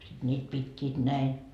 sitten niitä pitivät näin